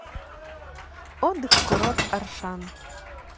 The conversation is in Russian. отдых курорт аршан